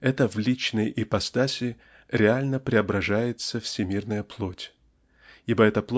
это в личной ипостаси реально преображается всемирная плоть, ибо эта.